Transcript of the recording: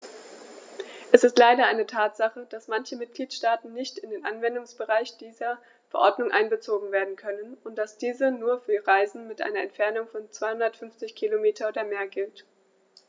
Es ist leider eine Tatsache, dass manche Mitgliedstaaten nicht in den Anwendungsbereich dieser Verordnung einbezogen werden können und dass diese nur für Reisen mit einer Entfernung von 250 km oder mehr gilt.